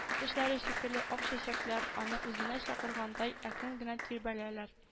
Тешләре шикелле ак чәчәкләр, аны үзенә чакыргандай, әкрен генә тирбәләләр